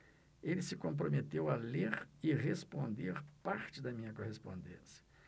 ele se comprometeu a ler e responder parte da minha correspondência